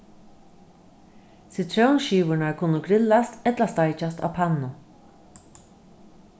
sitrónskivurnar kunnu grillast ella steikjast á pannu